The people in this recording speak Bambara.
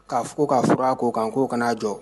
K'a fɔ ka fura ko kan k ko kana'a jɔ